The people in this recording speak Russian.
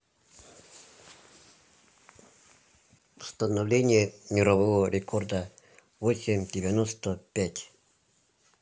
установление мирового рекорда восемь девяносто пять